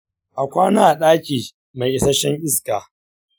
a kwana a daki mai isasshen iska.